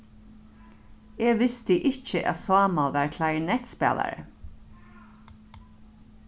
eg visti ikki at sámal var klarinettspælari